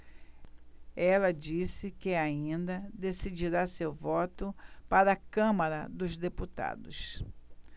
ela disse que ainda decidirá seu voto para a câmara dos deputados